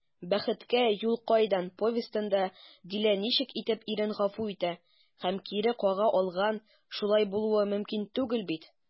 «бәхеткә юл кайдан» повестенда дилә ничек итеп ирен гафу итә һәм кире кага алган, шулай булуы мөмкин түгел бит?»